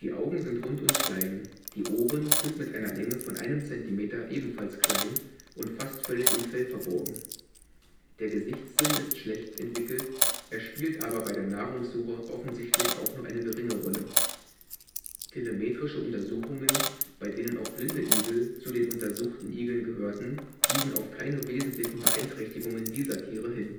Augen sind rund und klein, die Ohren sind mit einer Länge von einem Zentimeter ebenfalls klein und fast völlig im Fell verborgen. Der Gesichtssinn ist schlecht entwickelt, er spielt aber bei der Nahrungssuche offensichtlich auch nur eine geringe Rolle. Telemetrische Untersuchungen, bei denen auch blinde Igel zu den untersuchten Igeln gehörten, wiesen auf keine wesentlichen Beeinträchtigungen dieser Tiere hin